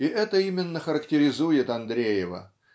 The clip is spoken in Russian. И это именно характеризует Андреева